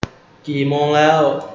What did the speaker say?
กี่โมงแล้ว